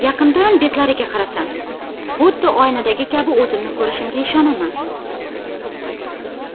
yaqindan betlariga qarasam xuddi oynadagi kabi o'zimni ko'rishimga ishonaman